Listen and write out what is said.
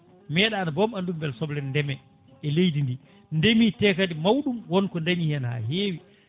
meeɗa boom andude beele soble ne ndeme e leydi ndi ndeemi te kadi mawɗum wonko dañi hen ha hewi